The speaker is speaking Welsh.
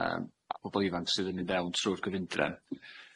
yym a bobol ifanc sydd yn mynd fewn trw'r gyfundrefn.